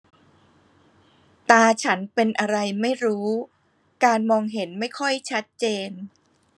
ตาฉันเป็นอะไรไม่รู้การมองเห็นไม่ค่อยชัดเจน